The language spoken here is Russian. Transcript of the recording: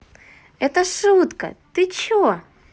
это шутка ты че